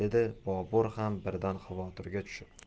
dedi bobur ham birdan xavotirga tushib